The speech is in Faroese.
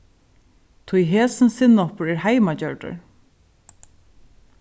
tí hesin sinnopur er heimagjørdur